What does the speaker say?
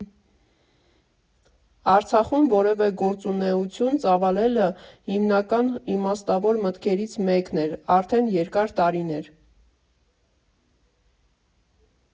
Արցախում որևէ գործունեություն ծավալելը հիմնական իմաստավոր մտքերից մեկն էր արդեն երկար տարիներ։